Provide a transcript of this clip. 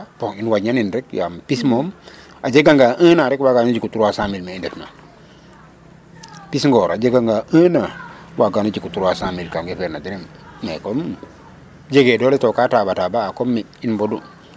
Bon um wañanin rek yaam pis moom a jegangaa 1 ans rek waagan o jiku 300000 mee ta refna. Pis ngoor a jegangaa 1 ans rek waagaan o jiku 300000 ka ngefeerna derem mais comme jegee doole to kaa tabataba'a comme mi' in mbodu.